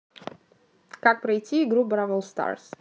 как пройти игру brawl stars